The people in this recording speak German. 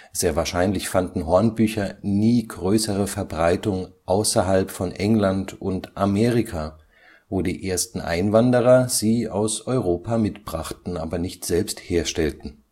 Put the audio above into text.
sehr wahrscheinlich fanden Hornbücher nie größere Verbreitung außerhalb von England und Amerika, wo die ersten Einwanderer sie aus Europa mitbrachten, nicht aber selbst herstellten